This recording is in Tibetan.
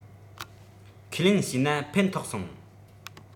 ཁས ལེན བྱས ན ཕན ཐོགས སོང